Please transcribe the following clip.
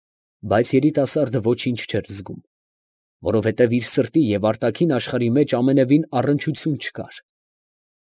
Բայց երիտասարդը ոչինչ չէր զգում, որովհետև իր սրտի և արտաքին աշխարհի մեջ ամենևին առնչություն չկար։